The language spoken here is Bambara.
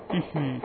Unhun